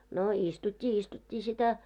no istuttiin istuttiin sitä